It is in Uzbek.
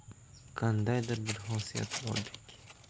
qandaydir bir xosiyat bordek